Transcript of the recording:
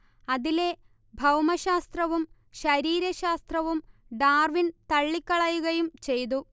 അതിലെ ഭൗമശാസ്ത്രവും ശരീരശാസ്ത്രവും ഡാർവിൻ തള്ളിക്കളയുകയും ചെയ്തു